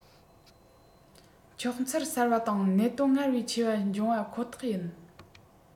འཁྱོག ཚུལ གསར བ དང གནད དོན སྔར ལས ཆེ བ བྱུང བ ཁོ ཐག ཡིན